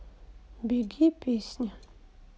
беги песня